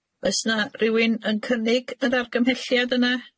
Oes 'na rywun yn cynnig yr argymhelliad yna?